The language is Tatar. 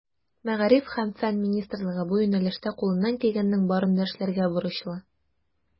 Мәгариф һәм фән министрлыгы бу юнәлештә кулыннан килгәннең барын да эшләргә бурычлы.